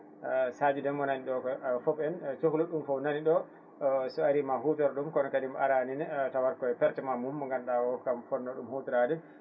a Sadio Déme wonani ɗo foof en cohluɗo ɗum fo nani ɗo so ari ma hutoro ɗum kono kadi mo arani ne tawa koye pertema mum ganduɗa o kam ponnoɗo ɗum hutorade